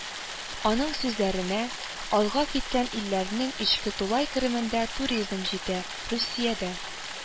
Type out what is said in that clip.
Аның сүзләренчә, алга киткән илләрнең эчке тулай керемендә туризм җитә, Русиядә